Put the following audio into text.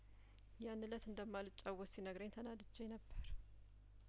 ያን እለት እንደማ ልጫወት ሲነግረኝ ተናድጄ ነበር